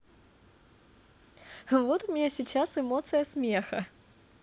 вот у меня сейчас эмоция смеха